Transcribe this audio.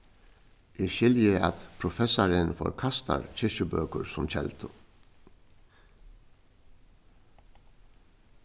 eg skilji at professarin forkastar kirkjubøkur sum keldu